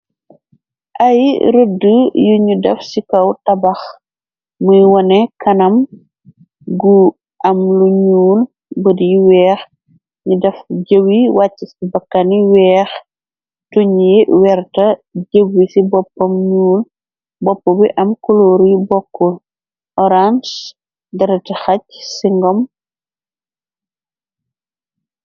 Ay rëddi yuñu daf ci kaw tabax muy wone kanam gu am lu ñuul bët yi weex ni daf jëw i wàcci bakkani weex tuñi werta jëwi ci boppam ñyuul bopp bi am kuloor yi bokk orance dereti xaj cingom.